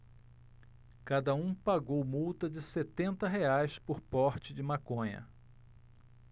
cada um pagou multa de setenta reais por porte de maconha